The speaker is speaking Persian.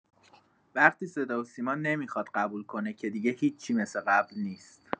وقتی صداوسیما نمیخواد قبول کنه که دیگه هیچی مثل قبل نیست